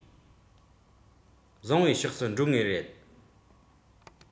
བཟང བའི ཕྱོགས སུ འགྲོ ངེས རེད